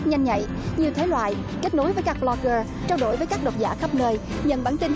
nhanh nhạy nhiều thể loại kết nối với các bờ lóc gơ trao đổi với các độc giả khắp nơi nhận bản tin